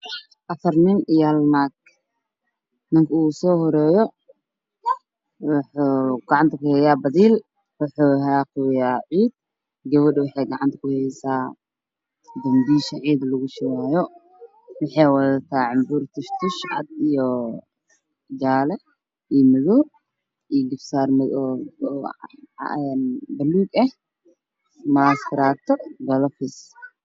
Waxaa ii muuqda niman shaqaynayo iyo naag wadato dambiil nimankana waxa ay kala wataan dambiil iyo badeel